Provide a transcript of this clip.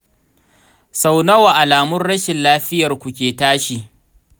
sau nawa alamun rashin lafiyar ku ke tashi?